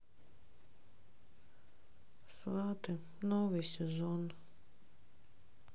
сваты новый сезон